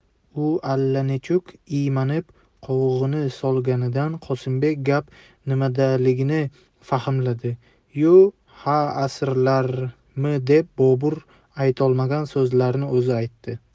u allanechuk iymanib qovog'ini solganidan qosimbek gap nimadaligini fahmladi yu ha asiralarmi deb bobur aytolmagan so'zni o'zi aytdi